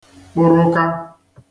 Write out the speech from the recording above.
kpụ̀rụkā